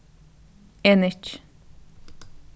eg nikki